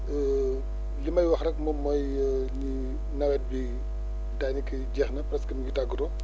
li may wax rek moom mooy ni nawet bi daanaka jeex na parce que mi ngi tàggatoo